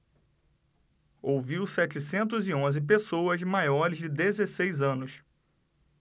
ouviu setecentos e onze pessoas maiores de dezesseis anos